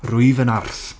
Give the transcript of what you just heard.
Rwyf yn arth.